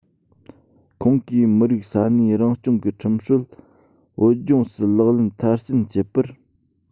ཁོང གིས མི རིགས ས གནས རང སྐྱོང གི ཁྲིམས སྲོལ བོད ལྗོངས སུ ལག ལེན མཐར ཕྱིན བྱེད པར